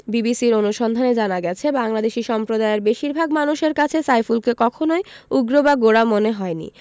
বিবিসির অনুসন্ধানে জানা গেছে বাংলাদেশি সম্প্রদায়ের বেশির ভাগ মানুষের কাছে সাইফুলকে কখনোই উগ্র বা গোঁড়া মনে হয়নি